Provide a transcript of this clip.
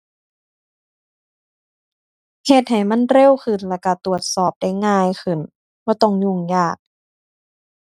เฮ็ดให้มันเร็วขึ้นแล้วก็ตรวจสอบได้ง่ายขึ้น บ่ต้องยุ่งยาก